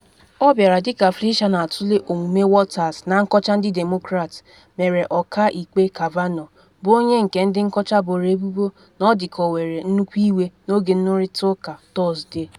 Ọ bịara dịka Fleischer na-atule omume Waters na nkọcha ndị Demokrat mere Ọka Ikpe Kavanaugh, bụ onye nke ndị nkọcha boro ebubo na ọ dịka ọ were nnukwu iwe n’oge nnụrịta ụka Tọsde.